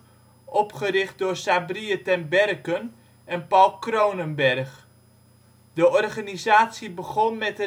opgericht door Sabriye Tenberken en Paul Kronenberg. De organisatie begon met